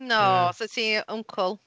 Naww, so ti'n wncl!